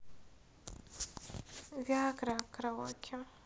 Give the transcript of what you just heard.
виагра караоке